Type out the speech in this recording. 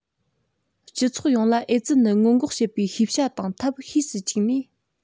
སྤྱི ཚོགས ཡོངས ལ ཨེ ཙི ནད སྔོན འགོག བྱེད པའི ཤེས བྱ དང ཐབས ཤེས སུ བཅུག ནས